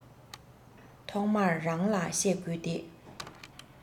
ཐོག མར རང ལ བཤད དགོས ཏེ